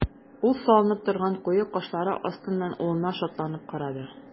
Ул салынып торган куе кашлары астыннан улына шатланып карады.